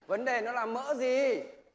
vấn đề nó là mỡ gì